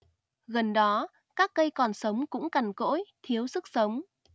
gần đó các cây còn sống cũng cằn cỗi thiếu sức sống